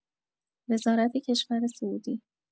وزارت کشور سعودی